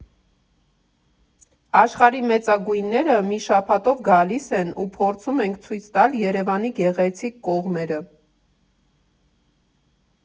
Աշխարհի մեծագույնները մի շաբաթով գալիս են ու փորձում ենք ցույց տալ Երևանի գեղեցիկ կողմերը։